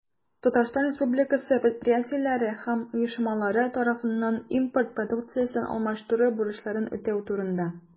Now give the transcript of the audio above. Татарстан Республикасы предприятиеләре һәм оешмалары тарафыннан импорт продукциясен алмаштыру бурычларын үтәү турында.